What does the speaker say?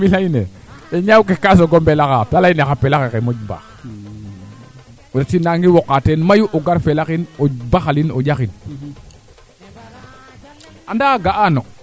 areter a fule keene fop a naanga mbisiida den jafe jafe to jafe jafe fee ba garna xana duqaa ke an naye yten refu yaal pinke goor we yiin keene yiin parce que il faut de njeg maada